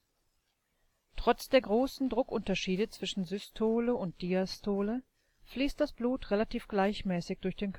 Trotz der großen Druckunterschiede zwischen Systole und Diastole fließt das Blut relativ gleichmäßig durch den